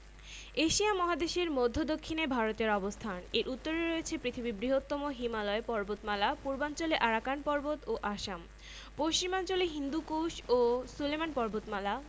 দেশটির রাজধানীর নাম বেইজিং ১৩৭ কোটি ৫১ লক্ষ ৩৭ হাজার ৮৩৭ জন মানুষ নিয়ে বিশ্বের সর্বাধিক জনসংখ্যার দেশ